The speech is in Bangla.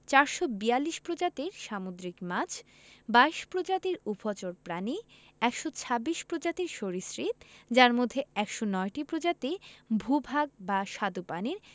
৪৪২ প্রজাতির সামুদ্রিক মাছ ২২ প্রজাতির উভচর প্রাণী ১২৬ প্রজাতির সরীসৃপ যার মধ্যে ১০৯টি প্রজাতি ভূ ভাগ বা স্বাদুপানির